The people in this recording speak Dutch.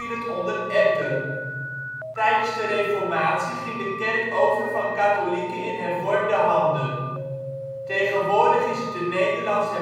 het onder Etten). Tijdens de reformatie ging de kerk over van katholieke in hervormde handen. Tegenwoordig is het de Nederlandse